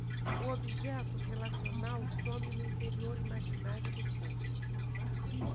o objeto relacional some no interior imaginário do corpo